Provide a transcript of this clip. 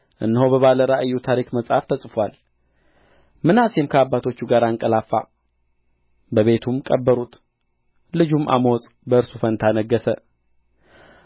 እነሆ በባለ ራእዩ ታሪክ መጽሐፍ ተጽፎአል ምናሴም ከአባቶቹ ጋር አንቀላፋ በቤቱም ቀበሩት ልጁም አሞጽ በእርሱ ፋንታ ነገሠ